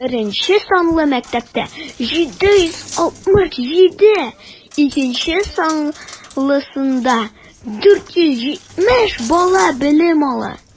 Беренче санлы мәктәптә - 767, икенче санлысында 470 бала белем ала.